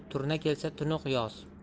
turna kelsa tunuq yoz